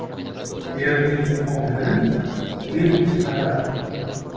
erning otini el chiqarar